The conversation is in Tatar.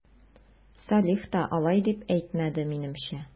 Салих та алай дип әйтмәде, минемчә...